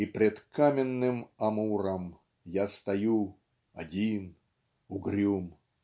И пред каменным Амуром Я стою, один, угрюм.